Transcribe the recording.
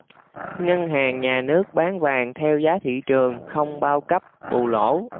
ngân hàng nhà nước bán vàng theo giá thị trường không bao cấp bù lỗ